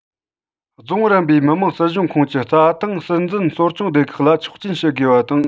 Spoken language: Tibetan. རྫོང རིམ པའི མི དམངས སྲིད གཞུང ཁོངས ཀྱི རྩྭ ཐང སྲིད འཛིན གཙོ སྐྱོང སྡེ ཁག ལ ཆོག མཆན ཞུ དགོས པ དང